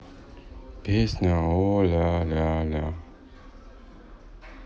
песня о ля ля ля